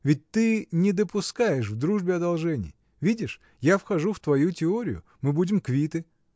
Ведь ты не допускаешь в дружбе одолжений: видишь, я вхожу в твою теорию, мы будем квиты.